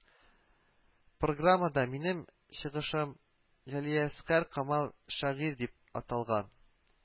Программада минем чыгышым Галиәскар Камал шагыйрь дип аталган